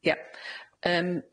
Ia, yym.